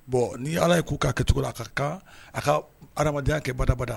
Bon ni ala ye' k'a kɛcogo la ka kan a ka adamadenya kɛ babada